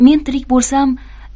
men tirik bo'lsam